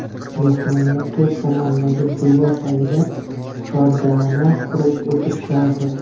mehmonlar to'rt tomondagi devor tagida chordana qurib o'tirishardi